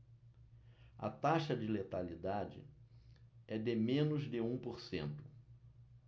a taxa de letalidade é de menos de um por cento